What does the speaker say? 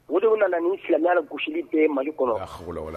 O de nana ni silamɛya gosisili bɛ mali kɔnɔ